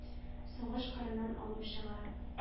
Сугыш кырыннан алып чыга.